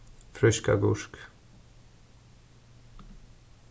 frísk agurk